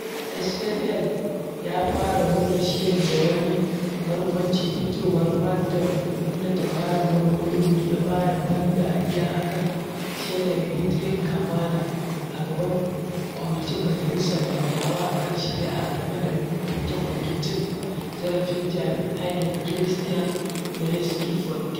SNL ya fara nuna shirin da wani barkwancin fitowar Matt Damon inda tauraron na Hollywood ya ba da ban dariya a kan shaidar Brett Kavanaugh a gaban Kwamitin Majalisar Dattawa a kan Shari'a game da koke-koken cin zarafin jima'i da Christine Blasey Ford ta yi.